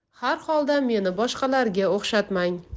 harholda meni boshqalarga o'xshatmang